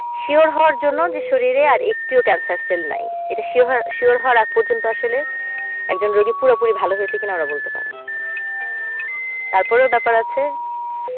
sure হওয়ার জন্য যে শরীরে আর একটিও ক্যান্সার সেল নাই এটা শিওর হওয়ার আগ পর্যন্ত আসলে একজন রোগী পুরোপুরি ভালো হয়েছে কিনা ওরা বলতে পারে না তারপরও ব্যাপার আছে